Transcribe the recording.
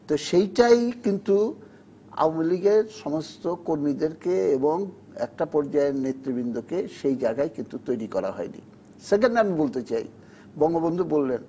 তো সেইটাই কিন্তু আওয়ামী লীগের সমস্ত কর্মীদেরকে এবং একটা পর্যায়ে নেতৃবৃন্দকে সে জায়গাই কিন্তু তৈরি করা হয়নি সেকেন্ড আমি বলতে চাই বঙ্গবন্ধু বললেন